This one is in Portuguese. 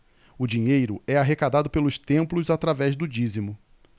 o dinheiro é arrecadado pelos templos através do dízimo